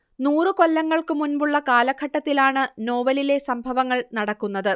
നൂറു കൊല്ലങ്ങൾക്കുമുമ്പുള്ള കാലഘട്ടത്തിലാണ് നോവലിലെ സംഭവങ്ങൾ നടക്കുന്നത്